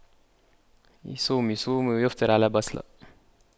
يصوم يصوم ويفطر على بصلة